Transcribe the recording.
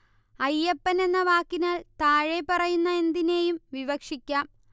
അയ്യപ്പനെന്ന വാക്കിനാൽ താഴെപ്പറയുന്ന എന്തിനേയും വിവക്ഷിക്കാം